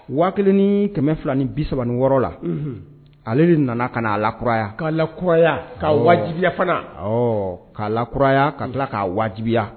Wa kelen ni kɛmɛ fila ni bi3 wɔɔrɔ la ale de nana ka'a la kuraya'a la k kuraya ka wajibiya fana'a la kuraya ka tila k'a wajibiya